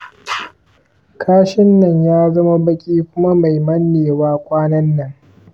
kashin na ya zama baƙi kuma mai mannewa kwanan nan.